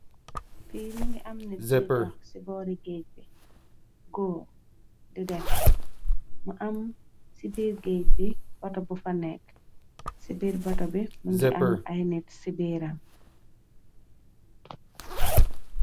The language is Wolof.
Bi më ngi am nit biy dox ci boori géej bi go di dem mu am ci biir géej bi bota bu fa nekk ci biir bota bi më ngi am ay nit ci biir am.